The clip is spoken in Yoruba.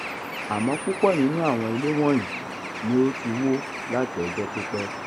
Àmọ́ púpọ̀ nínú àwọn ilé wọ̀nyí ni ó ti wó láti ọjọ́ pípẹ́.